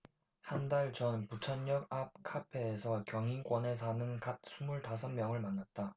한 달 전 부천역 앞 카페에서 경인권에 사는 갓 스물 다섯 명을 만났다